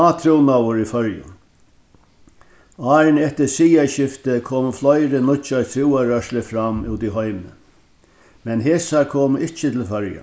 átrúnaður í føroyum árini eftir siðaskiftið komu fleiri nýggjar trúarrørslur fram úti í heimi men hesar komu ikki til føroya